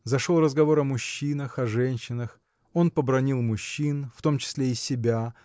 Зашел разговор о мужчинах, о женщинах он побранил мужчин в том числе и себя